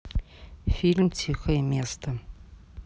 фильм тихое место